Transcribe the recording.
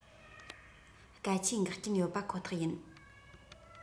སྐད ཆའི འགག རྐྱེན ཡོད པ ཁོ ཐག ཡིན